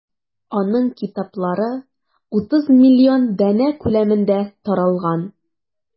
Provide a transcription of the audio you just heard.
Аның китаплары 30 миллион данә күләмендә таралган.